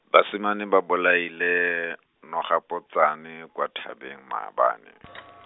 basimane ba bolaile, nogapotsane kwa thabeng maabane.